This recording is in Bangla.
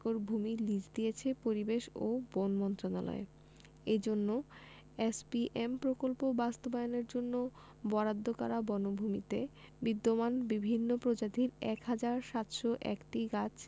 একর ভূমি লিজ দিয়েছে পরিবেশ ও বন মন্ত্রণালয় এজন্য এসপিএম প্রকল্প বাস্তবায়নের জন্য বরাদ্দ করা বনভূমিতে বিদ্যমান বিভিন্ন প্রজাতির ১ হাজার ৭০১টি গাছ